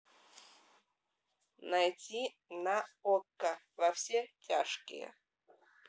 найти на окко во все тяжкое